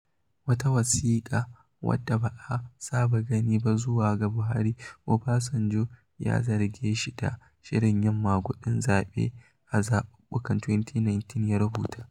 A wata wasiƙa wadda ba a saba gani ba zuwa ga Buhari, Obasanjo ya zarge shi da shirin yin maguɗin zaɓe a zaɓuɓɓukan 2019. Ya rubuta: